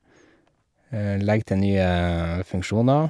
Legge til nye funksjoner.